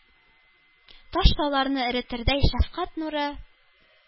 Таш-тауларны эретердәй шәфкать нуры